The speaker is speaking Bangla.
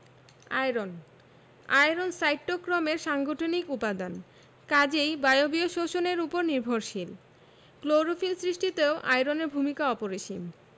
আয়রন আয়রন সাইটোক্রোমের সাংগঠনিক উপাদান কাজেই বায়বীয় শ্বসন এর উপর নির্ভরশীল ক্লোরোফিল সৃষ্টিতেও আয়রনের ভূমিকা অপরিসীম